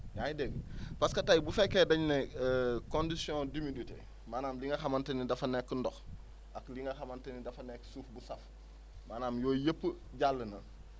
yaa ngi dégg parce que tey bu fekkee dañ ne condition d' humidité maanaam li nga xamante ni dafa nekk ndox ak li nga xamante ni dafa nekk suuf bu saf maamaan yooyu yëpp jàll na